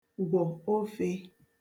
gwọ̀ ofē